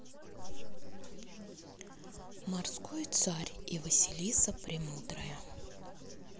морской царь и василиса премудрая